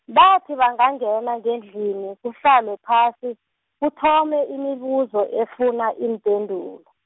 bathi bangangena ngendlini kuhlalwe phasi, kuthome imibuzo efuna iimpendulo.